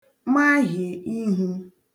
mahiè ihū